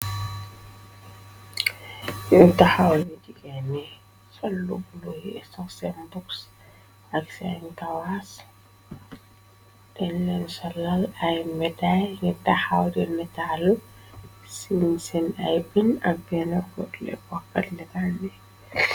yuy taxaw nu ji genni solubu luyi soksen bogs ak santawas den leen solal ay metay yir taxaw den metaalu sin seen ay bin ak benne ole waqat letalne